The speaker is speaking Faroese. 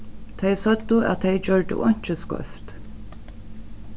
tey søgdu at tey gjørdu einki skeivt